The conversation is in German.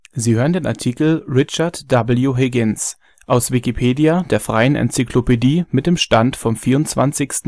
Sie hören den Artikel Richard W. Higgins, aus Wikipedia, der freien Enzyklopädie. Mit dem Stand vom Der